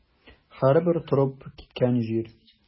Һәрбер торып киткән җир.